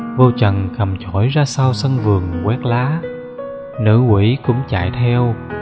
vô trần cầm chổi ra sau sân vườn quét lá nữ quỷ cũng chạy theo